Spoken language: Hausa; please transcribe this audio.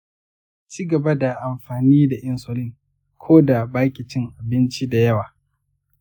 cigaba da amfani da insulin ko da baki cin abinci da yawa.